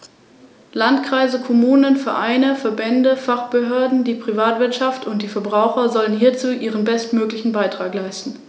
Ein Großteil des Parks steht auf Kalkboden, demnach dominiert in den meisten Gebieten kalkholde Flora.